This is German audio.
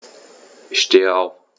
Ich stehe auf.